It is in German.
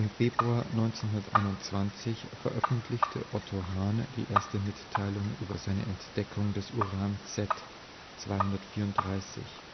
Februar 1921 veröffentlichte Otto Hahn die erste Mitteilung über seine Entdeckung des Uran Z (234Pa